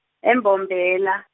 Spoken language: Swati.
eMbombela.